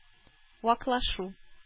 Ваклашу